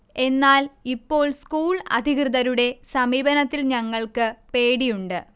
എന്നാൽ, ഇപ്പോൾ സ്കൂൾ അധികൃതരുടെ സമീപനത്തിൽ ഞങ്ങൾക്ക് പേടിയുണ്ട്